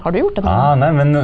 har du gjort noen gang?